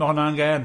Mae hwn angen.